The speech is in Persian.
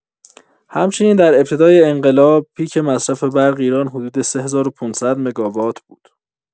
همچنین در ابتدای انقلاب پیک مصرف برق ایران حدود ۳۵۰۰ مگاوات بود.